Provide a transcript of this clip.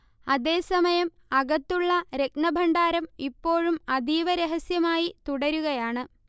അതേസമയം, അകത്തുള്ള രത്നഭണ്ഡാരം ഇപ്പോഴും അതീവ രഹസ്യമായി തുടരുകയാണ്